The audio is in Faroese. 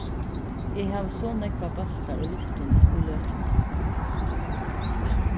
eg havi so nógvar bóltar í luftini í løtuni